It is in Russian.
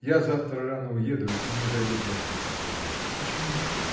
— Я завтра рано уеду и не зайду проститься с тобой. — Почему же?